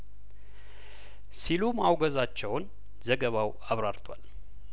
ሲሉ ማወገዛቸውን ዘገባው አብራርቷል